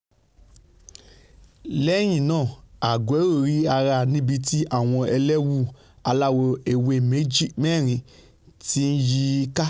Lẹ́yìn náà Aguero rí ara níbití àwọn ẹlẹ́wù aláwọ̀ ewé mẹ́rin ti yìí ká.